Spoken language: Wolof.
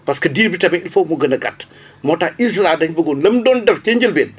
parce que diir bi tamit il foog mu gën a gàtt moo tax ISRA dañu bëggoon na mu doon def ca njëlbéen